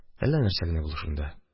Әллә нәрсә генә булды шунда